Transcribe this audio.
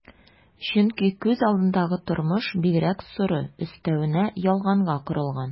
Чөнки күз алдындагы тормыш бигрәк соры, өстәвенә ялганга корылган...